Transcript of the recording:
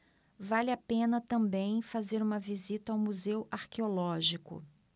vale a pena também fazer uma visita ao museu arqueológico